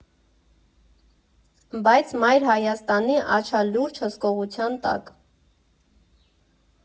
Բայց՝ Մայր Հայաստանի աչալուրջ հսկողության տակ։